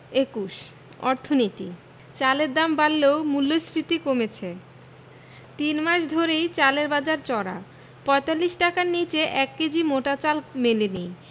২১ অর্থনীতি চালের দাম বাড়লেও মূল্যস্ফীতি কমেছে তিন মাস ধরেই চালের বাজার চড়া ৪৫ টাকার নিচে ১ কেজি মোটা চাল মেলেনি